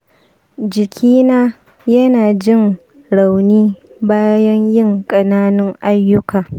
jikina yana jin rauni bayan yin ƙananun ayyuka.